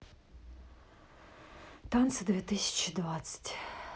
танцы две тысячи двадцать